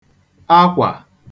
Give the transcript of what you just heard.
akwà